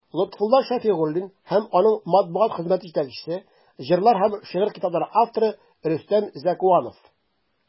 Лотфулла Шәфигуллин һәм аның матбугат хезмәте җитәкчесе, җырлар һәм шигырь китаплары авторы Рөстәм Зәкуанов.